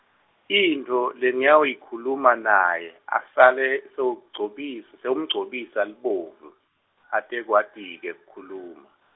intfo, lengiyoyikhuluma naye, asale sewugcobis-, sewumgcobisa libovu, atekwati-ke kukhuluma.